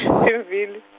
Pimvilli.